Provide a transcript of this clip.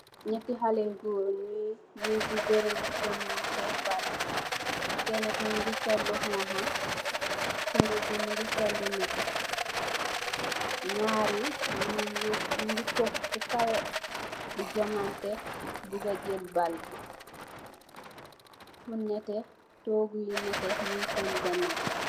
Nyetti khaleh nyungeh jonganteh baal kena ki munge sul lu xhong khu kenen ki lu nyull nyarr yi tup fu kaweh di jonganteh pour jell baal bi